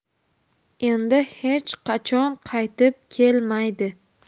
endi hech qachon qaytib kelmaydi